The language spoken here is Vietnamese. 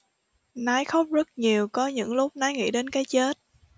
nái khóc rất nhiều có những lúc nái nghĩ đến cái chết